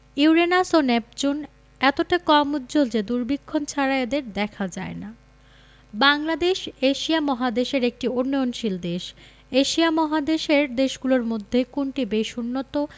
Uranus ও Neptune এতটা কম উজ্জ্বল যে দূরবীক্ষণ ছাড়া এদের দেখা যায় না বাংলাদেশ এশিয়া মহাদেশের একটি উন্নয়নশীল দেশ এশিয়া মহাদেশের দেশগুলোর মধ্যে কোনটি বেশ উন্নত